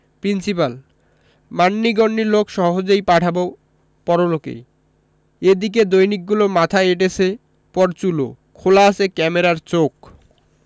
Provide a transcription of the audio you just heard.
principal মান্যিগন্যি লোক সহজেই পাঠাবো পরলোকে এদিকে দৈনিকগুলো মাথায় এঁটেছে পরচুলো খোলা আছে ক্যামেরার চোখ